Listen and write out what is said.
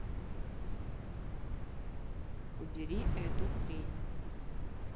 убери эту хрень